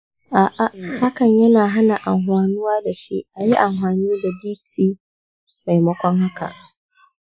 a’a, hakan yana hana amfanuwa da shi. a yi amfani da dt maimakon haka.